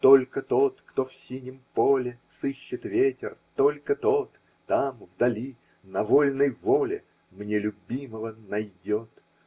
Только тот, кто в синем поле Сыщет ветер, -- только тот Там, вдали, на вольной воле Мне любимого найдет.